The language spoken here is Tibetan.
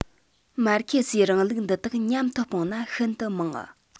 མར ཁེ སིའི རིང ལུགས འདི དག མཉམ དུ སྤུངས ན ཤིན ཏུ མང